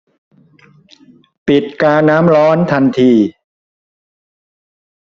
ปิดกาน้ำร้อนทันที